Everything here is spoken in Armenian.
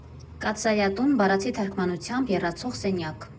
«կաթսայատուն», բառացի թարգմանությամբ՝ «եռացող սենյակ»